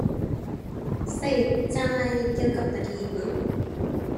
ใช้จ่ายเกี่ยวกับประเทศมั้ง